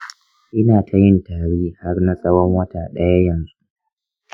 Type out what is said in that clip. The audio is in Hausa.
ina ta yin tari har na tsawon wata ɗaya yanzu.